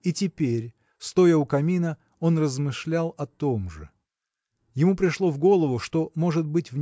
И теперь, стоя у камина, он размышлял о том же. Ему пришло в голову что может быть